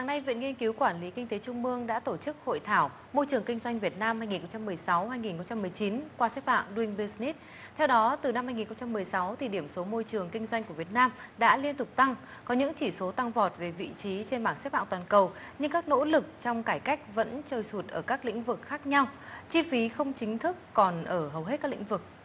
nay viện nghiên cứu quản lý kinh tế trung ương đã tổ chức hội thảo môi trường kinh doanh việt nam hai nghìn không trăm mười sáu hai nghìn không trăm mười chín qua xếp hạng đu inh bi dì nít theo đó từ năm hai nghìn không trăm mười sáu thì điểm số môi trường kinh doanh của việt nam đã liên tục tăng có những chỉ số tăng vọt về vị trí trên bảng xếp hạng toàn cầu như các nỗ lực trong cải cách vẫn trôi sụt ở các lĩnh vực khác nhau chi phí không chính thức còn ở hầu hết các lĩnh vực